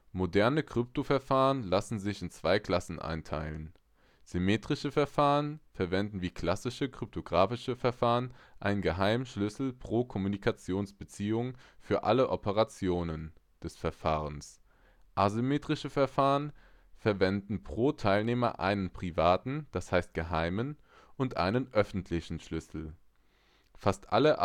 Moderne Krypto-Verfahren lassen sich in zwei Klassen einteilen: Symmetrische Verfahren verwenden wie klassische kryptographische Verfahren einen geheimen Schlüssel pro Kommunikationsbeziehung und für alle Operationen (z. B. Ver - und Entschlüsselung) des Verfahrens; asymmetrische Verfahren verwenden pro Teilnehmer einen privaten (d. h. geheimen) und einen öffentlichen Schlüssel. Fast alle